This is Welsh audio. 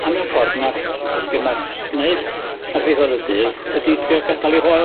A mewn ffordd 'na be' 'ma'r jyst neud ar ddiwedd y dydd ydi trio gadal i hoel.